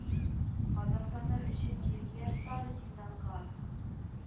Газапланыр өчен җиргә, тар зинданга.